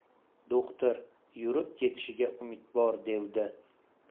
do'xtir yurib ketishiga umid bor devdi